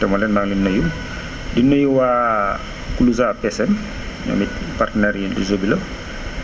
dama leen maa ngi leen di nuyu di nuyu waa * ñoom it partenaire yi réseau bi la